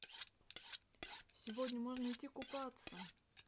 сегодня можно идти купаться